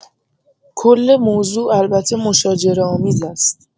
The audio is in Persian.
کل موضوع البته مشاجره آمیز است.